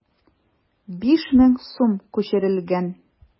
5000 сум күчерелгән.